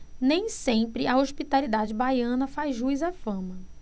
nem sempre a hospitalidade baiana faz jus à fama